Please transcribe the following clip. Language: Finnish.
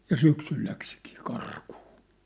ja syksyllä lähtikin karkuun